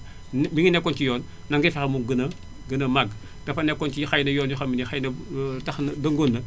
ñu ñu ngi nekkoon ci yoon nan ngay fexee mu gën a màgg ka fa nekkoon ci xay na yoon yoo xam ne ni xëy na tax na dëngoon na